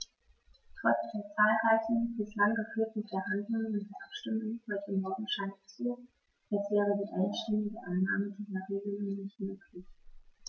Trotz der zahlreichen bislang geführten Verhandlungen und der Abstimmung heute Morgen scheint es so, als wäre die einstimmige Annahme dieser Regelung nicht möglich.